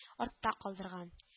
Артта калдырган